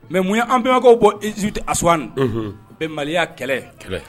Mais mun y'an an bɛnbakɛw bɔ Egypte Asuwani unhun bɛnbaliya kɛlɛ kɛlɛ